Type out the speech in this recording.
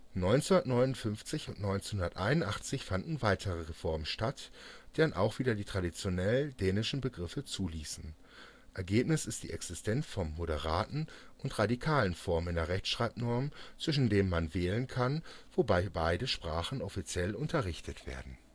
1959 und 1981 fanden weitere Reformen statt, die dann auch wieder die traditionell dänischen Begriffe zuließen. Ergebnis ist die Existenz von „ moderaten “und „ radikalen “Formen in der Rechtschreibnorm, zwischen denen man wählen kann, wobei beide Sprachen offiziell unterrichtet werden